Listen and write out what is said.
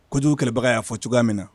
Kojugu kɛlɛbaga y'a fɔ cogoya min na.